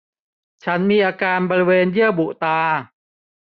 ฉันมีอาการบริเวณเยื่อบุตา